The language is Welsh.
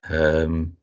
Yym.